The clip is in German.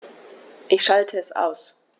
Ich schalte es aus.